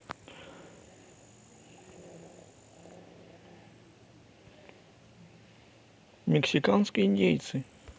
мексиканские индейцы